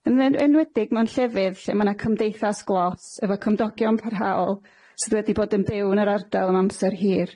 yn en- enwedig mewn llefydd lle ma' 'na cymdeithas glòs efo cymdogion parhaol sydd wedi bod yn byw yn yr ardal am amser hir.